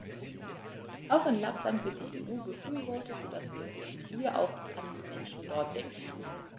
Auch in Lappland wird die EU befürwortet, so dass wir hier auch an die Menschen dort denken müssen.